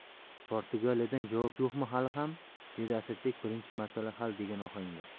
portugaliyadan javob yo'qmi hali ham dedi asadbek birinchi masala hal degan ohangda